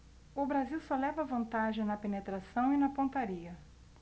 o brasil só leva vantagem na penetração e na pontaria